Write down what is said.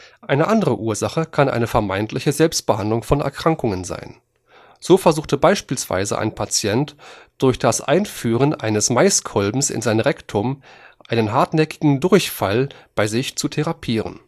Eine andere Ursache kann eine vermeintliche Selbstbehandlung von Erkrankungen sein. So versuchte beispielsweise ein Patient durch das Einführen eines Maiskolbens in sein Rektum einen hartnäckigen Durchfall bei sich zu therapieren